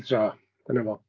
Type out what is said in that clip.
so dyna fo.